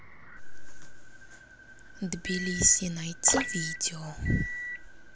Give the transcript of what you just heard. тбилиси найти видео